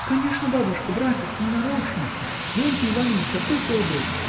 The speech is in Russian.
— Конечно, бабушка, братец ненарочно: Леонтий Иванович такой добрый.